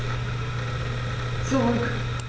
Zurück.